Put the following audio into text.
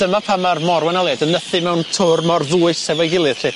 Dyma pam ma'r môr wenholiad yn nythu mewn tŵr mor ddwys efo'i gilydd lly.